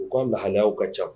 K'an bɛ haya ka ca